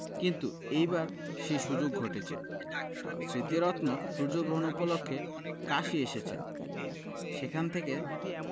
কিন্তু এইবার সেই সুযোগ ঘটেছে স্মৃতিরত্ন সূর্যগ্রহণ উপলক্ষে কাশী এসেছেন সেখান থেকে